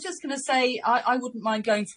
just gonna say I I wouldn't mind going to